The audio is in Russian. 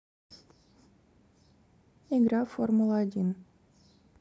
игра формула один